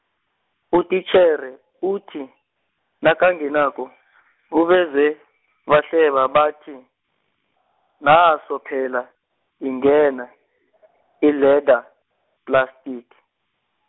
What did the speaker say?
utitjhere uthi, nakangenako ubezwe bahleba bathi, naso phela ingena , i- leather plastic.